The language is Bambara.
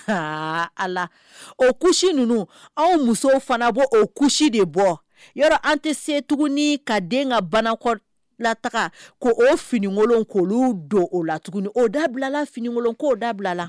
Aa, Ala, o couche ninnu anw musow fana b'o couche de bɔ, yɔrɔ an tɛ se tuguni ka den ka banakɔ lataga ko o finikolon k'olu don o la tuguni. O dabila la, finikolon ko dabila la.